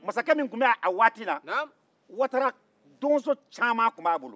mansakɛ min tun bɛ yen a waati la watara donso caman tun b'a bolo